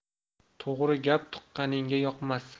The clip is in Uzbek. to'g'ri gap tuqqaningga yoqmas